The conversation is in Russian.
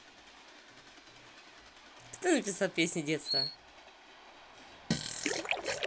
кто написал песню детства